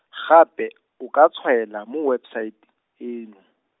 gape , o ka tshwaela mo website, eno.